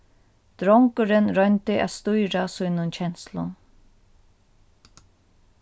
drongurin royndi at stýra sínum kenslum